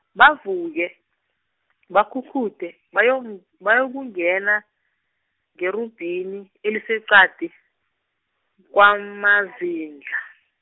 bavuke, bakhukhuthe, bayo- bayokungena, ngerubhini eliseqadi, kwamazindla.